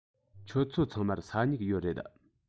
ཁྱོད ཚོ ཚང མར ས སྨྱུག ཡོད རེད